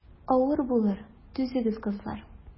Авыр булыр, түзегез, кызлар.